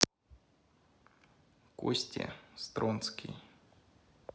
косте стронский